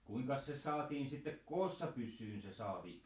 kuinkas se saatiin sitten koossa pysymään se saavi